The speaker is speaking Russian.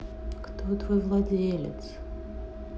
кто твой владелец